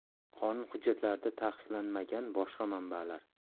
qonun hujjatlarida taqiqlanmagan boshqa manbalar